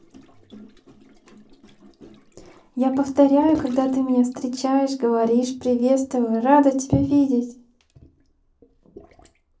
я повторяю когда ты меня встречаешь говоришь приветствую рада тебя видеть